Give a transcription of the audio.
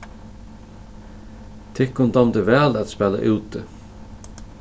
tykkum dámdu væl at spæla úti